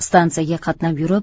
stansiyaga qatnab yurib